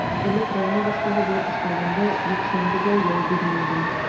Элек район башлыгы булып эшләгәндә, якшәмбе дә ял бирми идем.